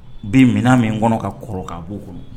Bɛ minɛn min kɔnɔ ka kɔrɔ' b bɔ'o kɔnɔ